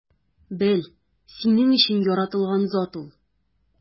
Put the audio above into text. Бел: синең өчен яратылган зат ул!